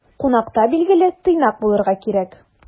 Кунакта, билгеле, тыйнак булырга кирәк.